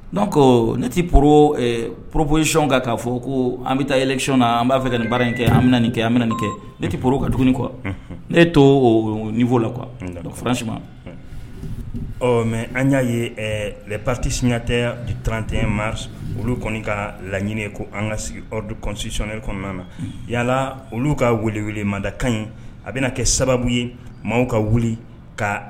Don ko ne tɛ poropsiyɔn kan'a fɔ ko an bɛ taa yɛlɛyɔn an b'a fɛ ka ni baara in kɛ an nin kɛ an nin kɛ ne tɛ poro ka tuguni kɔ ne to ninfɔ la kuwa nkauranransi ɔ mɛ an y'a ye ptisiya tɛ bi trante mariri olu kɔni ka laɲini ko an ka sigisisionɛ kɔnɔna na yalala olu ka weelew madaka ɲi a bɛna kɛ sababu ye maaw ka wuli ka